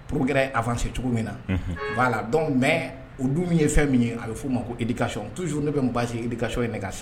Puruɛrɛ a fanse cogo min na b'a la dɔn mɛ o dun min ye fɛn min ye a bɛ f'o ma ko ika so tusu ne bɛ baasi ika so ye ne ka